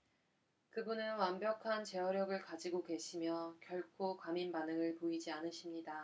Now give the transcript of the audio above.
그분은 완벽한 제어력을 가지고 계시며 결코 과민 반응을 보이지 않으십니다